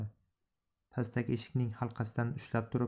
pastak eshikning halqasidan ushlab turib